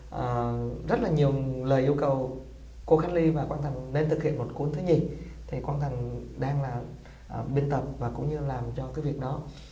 à rất là nhiều lời yêu cầu cô khánh ly và quang thành nên thực hiện một cuốn thứ nhì thì quang thành đang là biên tập và cũng như làm cho cái việc đó